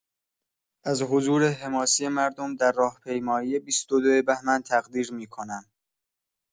از حضور حماسی مردم در راهپیمایی ۲۲ بهمن تقدیر می‌کنم.